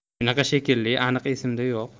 shunaqa shekilli aniq esimda yo'q